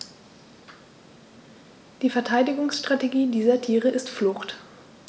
Die Verteidigungsstrategie dieser Tiere ist Flucht.